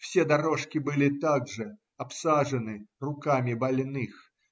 Все дорожки были также обсажены руками больных.